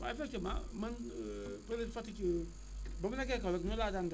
waaw effectivement man peut être Fatick ba ma nekkee Kaolack noonu laa daan def